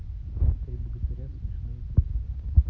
три богатыря смешные песни